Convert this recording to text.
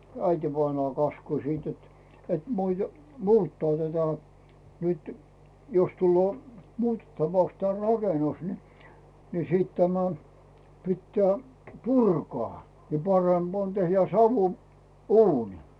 äitivainaa kaskusi jotta että - muuttaa tätä nyt jos tulee muutettavaksi tämä rakennus niin niin sitten tämä pitää purkaa ja parempi on tehdä - uuni